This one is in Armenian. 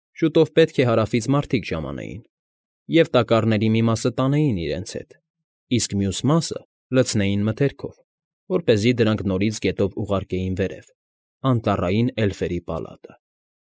Շուտով պետք է Հարավից մարդիկ ժամանեին և տակառների մի մասը տանեին իրենց հետ, իսկ մյուս մասը՝ լցնեին մթերքով, որպեսզի դրանք նորից գետով ուղարկեին վերև՝ անտառային էլֆերի պալատը։